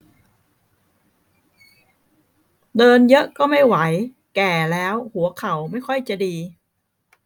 เดินเยอะก็ไม่ไหวแก่แล้วหัวเข่าไม่ค่อยจะดี